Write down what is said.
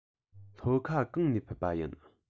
ལྷོ ཁ གང ནས ཕེབས པ ཡིན